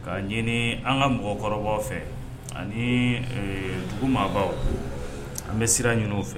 Ka' ɲini an ka mɔgɔkɔrɔba fɛ ani dugu maabaw an bɛ sira ɲini u fɛ